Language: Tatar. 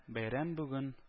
Бәйрәм бүген